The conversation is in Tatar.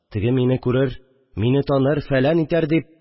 Теге мине күрер, мине таныр, фәлән итәр», – дип